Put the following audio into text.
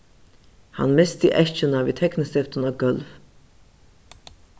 hann misti eskjuna við teknistiftum á gólv